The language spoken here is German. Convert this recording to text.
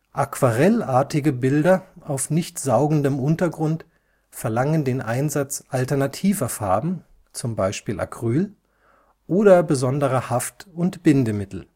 Aquarellartige Bilder auf nicht saugendem Untergrund verlangen den Einsatz alternativer Farben (zum Beispiel Acryl) oder besonderer Haft - und Bindemittel